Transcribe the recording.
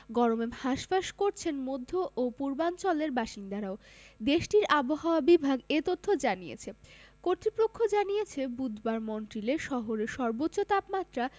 গরমে হাসফাঁস করছেন মধ্য ও পূর্বাঞ্চলের বাসিন্দারাও দেশটির আবহাওয়া বিভাগ এ তথ্য জানিয়েছে কর্তৃপক্ষ জানিয়েছে বুধবার মন্ট্রিল শহরে সর্বোচ্চ তাপমাত্রা